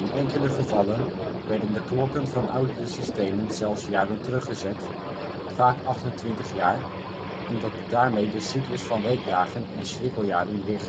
enkele gevallen werden de klokken van oudere systemen zelfs jaren teruggezet, vaak 28 jaar, omdat daarmee de cyclus van weekdagen en schrikkeljaren weer